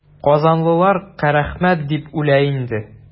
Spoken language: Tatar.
Казанлылар Карәхмәт дип үлә инде.